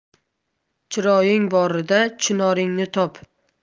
chiroying borida chinoringni top